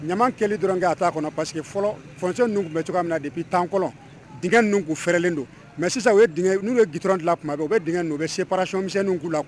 Ɲaman kɛli dɔrɔn kɛ a t'a kɔnɔ parce que fɔlɔ fossé ninnu tun be cogo min na depuis temps colon dingɛ ninnu tun fɛrɛlen don mais sisan u ye diŋɛ n'u ye goudron dilan tuma bɛ u be diŋɛ ninnu u be séparation misɛnniw k'u la k